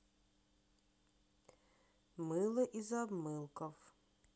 мыло из обмылков